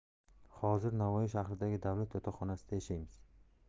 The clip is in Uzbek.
hozir navoiy shahridagi davlat yotoqxonasida yashaymiz